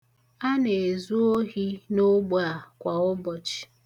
Ana-ezu ohi n'ogbe a kwa ụbọchị.